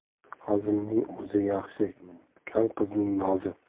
hazilning ozi yaxshi kal qizning nozi